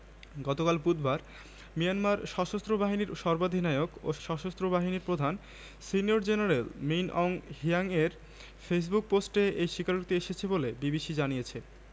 গতকাল বুধবার মিয়ানমার সশস্ত্র বাহিনীর সর্বাধিনায়ক ও সশস্ত্র বাহিনীর প্রধান সিনিয়র জেনারেল মিন অং হ্লিয়াংয়ের ফেসবুক পোস্টে এই স্বীকারোক্তি এসেছে বলে বিবিসি জানিয়েছে